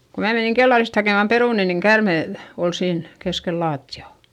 kun minä menin kellarista hakemaan perunoita niin käärme - oli siinä keskellä lattiaa